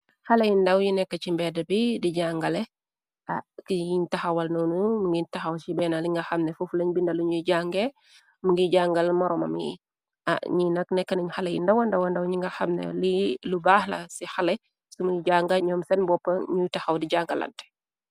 Xale yi ndaw yi nekka ci mbedda bi di jangale, ak yiñ taxawal noonu mngiñ taxaw ci benna li nga xamne fufleñ binda luñuy jange , mungi jangal moromam yi , ñi nakk nekka nañ xale yi ndawa ndawa ndaw ñi nga xamne i lu baaxla ci xale , sumuy jànga ñoom seen bopp ñuy taxaw di jàngalante.